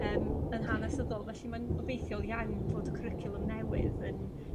yrm yn hanesyddol felly mae'n obeithiol iawn fod y cwricwlwm newydd yn